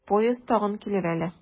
Поезд тагын килер әле.